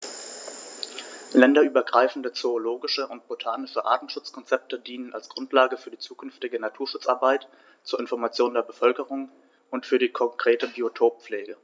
Länderübergreifende zoologische und botanische Artenschutzkonzepte dienen als Grundlage für die zukünftige Naturschutzarbeit, zur Information der Bevölkerung und für die konkrete Biotoppflege.